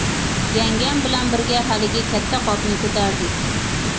yangam bilan birga haligi katta qopni ko'tardik